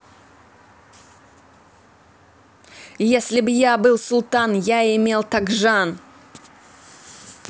если б я был султан я имел тогжан